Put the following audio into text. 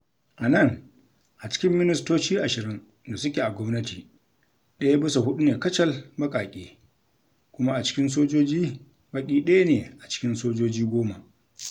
A nan, a cikin ministoci ashirin da suke a gwamnati, ɗaya bisa huɗu ne kacal baƙaƙe, kuma a cikin sojoji baƙi ɗaya ne a cikin sojoji goma.